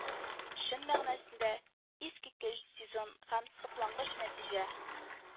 Чын мәгънәсендә, искиткеч сезон һәм соклангыч нәтиҗә